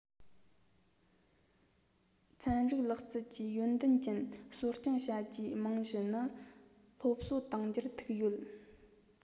ཚན རིག ལག རྩལ གྱི ཡོན ཏན ཅན གསོ སྐྱོང བྱ རྒྱུའི རྨང གཞི ནི སློབ གསོ གཏོང རྒྱུར ཐུག ཡོད